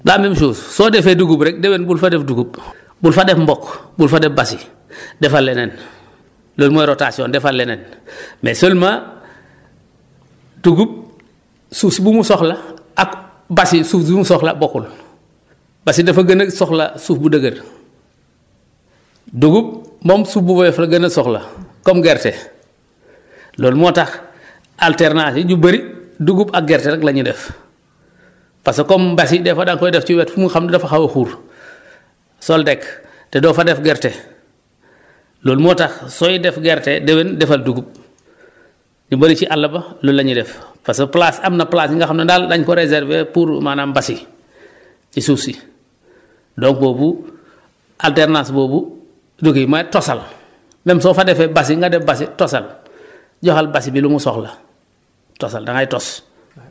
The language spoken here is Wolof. la même chose soo defee dugub rek déwén bul fa def dugub bul fa def mboq bul fa def basi def fa leneen loolu mooy rotation defal leneen mais seulement dugub suuf bu mu soxla ak basi suuf bu mu soxla bokkul basi dafa gën a soxla suuf bu dëgër dugub moom suuf bu woyof la gën a soxla comme gerte loolu moo tax alternance yi ñu bëri dugub ak gerte rek la ñu def parce que comme basi des fois da nga koy def ci wet fu mu xam ne dafa xaw a xuur soldé ko te doo fa def gerte loolu moo tax sooy def gerte déwén defal dugub ñu bëri ci àll ba loolu la ñuy def parce que place am na place yi nga xam ne daal dañ ko réservé pour maanaam basi ci suuf si donc boobu alterance boobu du kii mais tosal mêm soo fa defee basi nga def basi tosal joxal basi bi lu mu soxla tosal da ngay tos